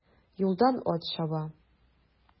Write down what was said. Юлдан ат чаба.